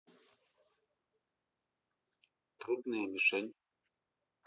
трудная мишень